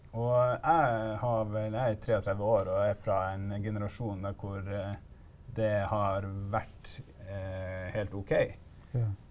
og jeg har vel jeg er 33 år og er fra en generasjon der hvor det har vært helt okay.